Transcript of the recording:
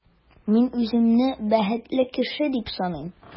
Мин үземне бәхетле кеше дип саныйм.